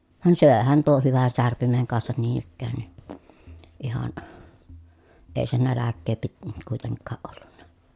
vaan söihän tuon hyvän särpimen kanssa niin ikään niin ihan ei se nälkää - kuitenkaan ollut